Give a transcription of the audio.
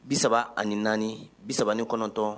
34 - 39